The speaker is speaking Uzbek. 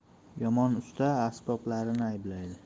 yomon usta asboblarini ayblaydi